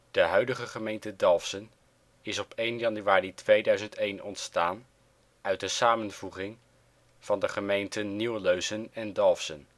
De huidige gemeente Dalfsen is op 1 januari 2001 ontstaan uit de samenvoeging van de gemeenten Nieuwleusen en Dalfsen